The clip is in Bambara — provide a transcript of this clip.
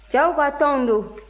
cɛw ka tɔnw dun